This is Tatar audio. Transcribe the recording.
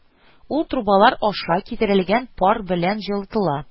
Ул трубалар аша китерелгән пар белән җылытыла